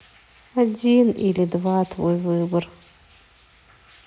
один или два твой выбор